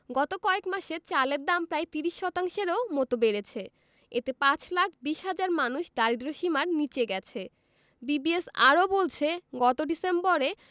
গত কয়েক মাসে চালের দাম প্রায় ৩০ শতাংশের মতো বেড়েছে এতে ৫ লাখ ২০ হাজার মানুষ দারিদ্র্যসীমার নিচে গেছে বিবিএস আরও বলছে গত ডিসেম্বরে